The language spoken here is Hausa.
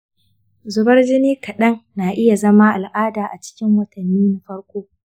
zubar jini kaɗan na iya zama al’ada a cikin watanni na farko.